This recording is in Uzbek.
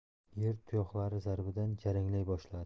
yer tuyoqlar zarbidan jaranglay boshladi